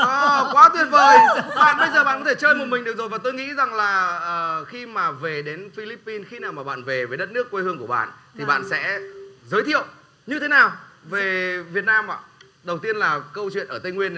quá tuyệt vời bạn bây giờ bạn có thể chơi một mình được rồi và tôi nghĩ rằng là khi mà về đến phi líp pin khi nào mà bạn về với đất nước quê hương của bạn thì bạn sẽ giới thiệu như thế nào về việt nam ạ đầu tiên là câu chuyện ở tây nguyên